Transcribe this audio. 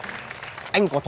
anh có